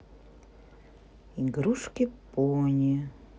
игрушки пони